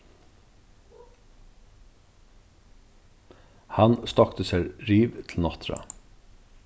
hann stokti sær riv til nátturða